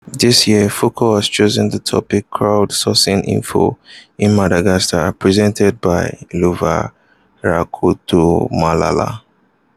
This year Foko has choosen the topic “Crowd sourcing info in Madagascar” presented by Lova Rakotomalala.